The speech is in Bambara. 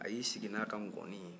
a y'i sigi n'a ka ngɔni ye